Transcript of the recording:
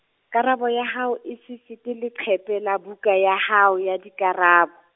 karabo ya hao e se fete leqephe la buka ya hao ya dikarabo.